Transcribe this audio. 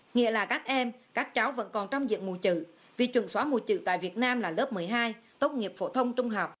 nghĩa là các em các cháu vẫn còn trong diện mù chữ vì chuẩn xóa mù chữ tại việt nam là lớp mười hai tốt nghiệp phổ thông trung học